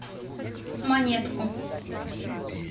монетку